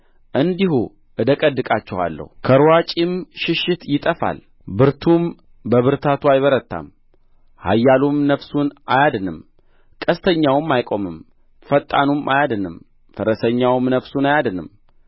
እንዲሁ እደቀድቃችኋለሁ ከርዋጪም ሽሽት ይጠፋል ብርቱውም በብርታቱ አይበረታም ኃያሉም ነፍሱን አያድንም ቀስተኛውም አይቆምም ፈጣኑም አይድንም ፈረሰኛውም ነፍሱን አያድንም